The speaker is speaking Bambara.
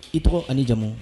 I tɔgɔ an'i jamu